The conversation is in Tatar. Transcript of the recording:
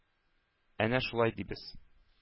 Әнә шулай дибез.